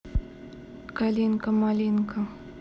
калинка малинка